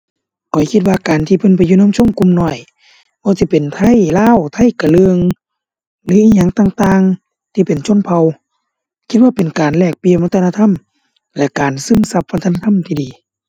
ข้อยคิดว่าการที่เพิ่นไปอยู่นำชนกลุ่มน้อย บ่ว่าสิเป็นไทลาว ไทกะเลิง หรืออิหยังต่างต่างที่เป็นชนเผ่า คิดว่าเป็นการแลกเปลี่ยนวัฒนธรรมและการซึมซับวัฒนธรรมที่ดี